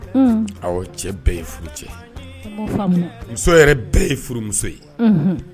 Cɛ bɛɛ ye furu cɛ muso yɛrɛ bɛɛ ye furumuso ye